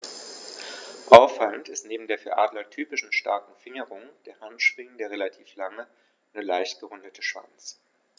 Auffallend ist neben der für Adler typischen starken Fingerung der Handschwingen der relativ lange, nur leicht gerundete Schwanz.